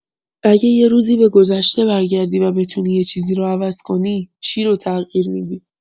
اگه یه روزی به گذشته برگردی و بتونی یه چیزی رو عوض کنی، چی رو تغییر می‌دی؟